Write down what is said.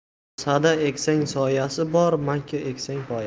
sada eksang soyasi bor makka eksang poyasi